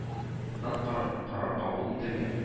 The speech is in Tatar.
Нан карар карар кабул ителгән